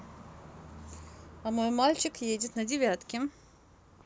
а мой мальчик едет на девятке